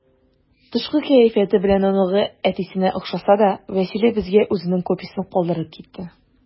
Тышкы кыяфәте белән оныгы әтисенә охшаса да, Вәсилә безгә үзенең копиясен калдырып китте.